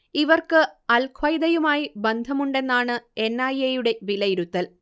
ഇവർക്ക് അൽ ഖ്വയ്ദയുമായി ബന്ധമുണ്ടെന്നാണ് എൻ. ഐ. എ യുടെ വിലയിരുത്തൽ